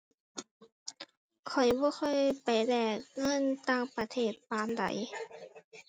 ข้อยบ่ค่อยไปแลกเงินต่างประเทศปานใด